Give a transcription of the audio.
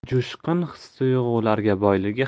jo'shqin his tuyg'ularga boyligi